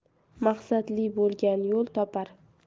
maqsadli bo'lgan yo'l topar